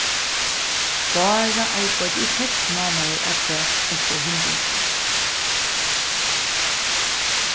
bára arbeiddi í seks mánaðir afturat eftir hendingina